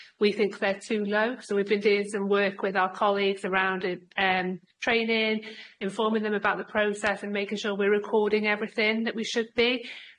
We think they're too low, so we've been doing some work with our colleagues around it, erm training, informing them about the process and making sure we're recording everything that we should be.